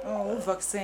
U fa ka se yen